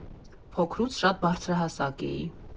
Փոքրուց շատ բարձրահասակ էի.